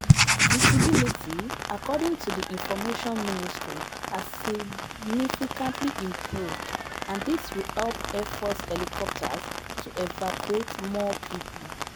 Visibility, according to the Information ministry, has significantly improved and this will help airforce helicopters to evacuate more people.